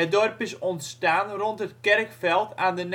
dorp is ontstaan rond het Kerkveld aan de